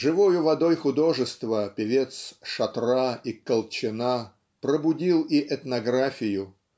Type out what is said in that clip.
Живою водой художества певец "Шатра" и "Колчана" пробудил и этнографию